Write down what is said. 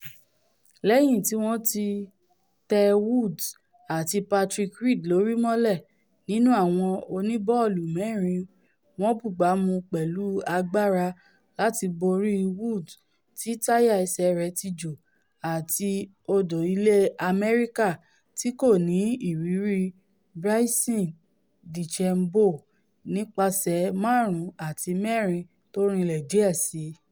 Léyìn tíwọ́n ti tẹ Woods àti Patrick Reed lórí mọ́lẹ̀ nínú àwọn oníbọ́ọ̀lù-mẹ́rin wọn búgbàmu pẹ̀lú agbára láti borí Woods tí táyà ẹsẹ̀ rẹ̀ tijò àti ọ̀dọ́ ilẹ̀ Amẹrika tíkòni ìrírí Bryson Dechambeau nípaṣẹ̀ 5 àti 4 tórinlẹ̀ díẹ̀ síi.